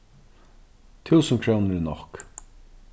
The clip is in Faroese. túsund krónur eru nokk